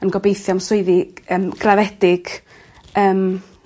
yn gobeithio am swyddi g- yym graddedig. Yym.